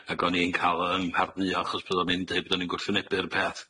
ag o'n i'n ca'l 'ym mhardduo achos byddwn i'n deud y byddwn i'n gwrthwynebu'r peth,